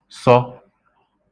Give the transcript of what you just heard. sọ